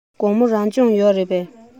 དགོང མོ རང སྦྱོང ཡོད རེད པས